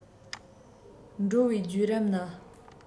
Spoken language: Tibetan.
འགྲོ བའི བརྒྱུད རིམ ནི